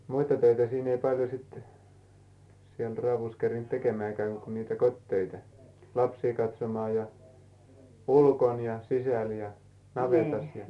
muita töitä siinä ei paljon sitten siellä Raudussa kerinnyt tekemäänkään kuin niitä kotitöitä lapsia katsomaan ja ulkona ja sisällä ja navetassa ja